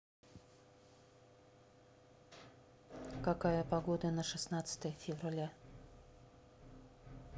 какая погода на шестнадцатое февраля